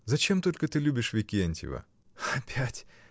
— Зачем только ты любишь Викентьева? — Опять!